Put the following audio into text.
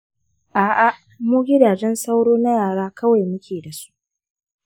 a'a, mu gidajen sauro na yara kawai muke da su.